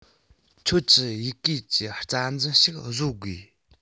ཁྱོད ཀྱིས ཡི གེ ཀྱི རྩ འཛིན ཞིག བཟོ དགོས